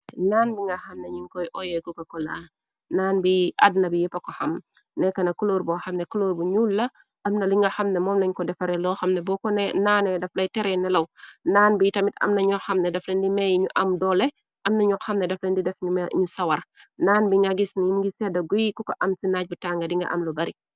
naan bi nga xamnañuñ koy oyekuka kola naan biy adna bi yëppa ko xam nekk na cloor boo xamne kloor bu ñul la amna li nga xamna moomlañ ko defare loo xamne boo ko naano defalay teree nelaw naan bi tamit amnañu xamne defle ndi meey ñu am doole amnañu xamne defale ndi def ñu sawar naan bi nga gis num ngi sedda guy ku ko am ci naaj bu tànga di nga am lu bari